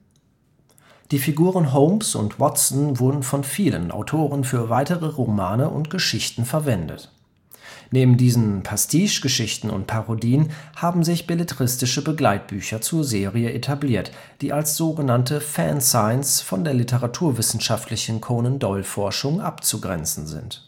Die Figuren Holmes und Watson wurden von vielen Autoren für weitere Romane und Geschichten verwendet. Neben diesen Pastiche-Geschichten und Parodien haben sich belletristische Begleitbücher zur Serie etabliert, die als so genannte Fan-Science von der literaturwissenschaftlichen Conan-Doyle-Forschung abzugrenzen sind